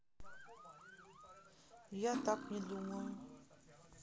я так не думаю